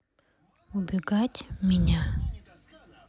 убегать меня